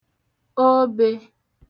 obē